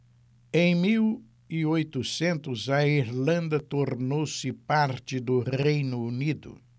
em mil e oitocentos a irlanda tornou-se parte do reino unido